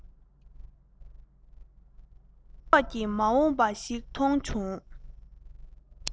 གསེར མདོག གི མ འོངས པ ཞིག མཐོང བྱུང